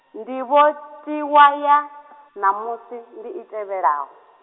ndivhotiwa ya , ṋamusi, ndi i te vhela.